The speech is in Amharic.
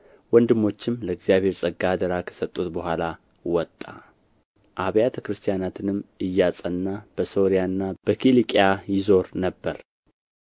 ወንድሞችም ለእግዚአብሔር ጸጋ አደራ ከሰጡት በኋላ ወጣ አብያተ ክርስትያናትንም እያጸና በሶርያና በኪልቅያ ይዞር ነበር